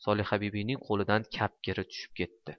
solihabibining qo'lidan kapgiri tushib ketdi